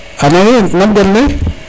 ano ye nam gonle